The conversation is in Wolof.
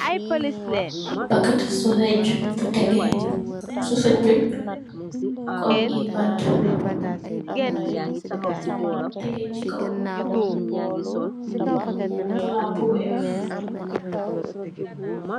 Paket tu soseg bu tehgeh, soseg bi kom yi bant, tehgeh ci kaw palaat bu weeh.